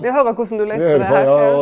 vi høyrer korleis du løyste det her ja.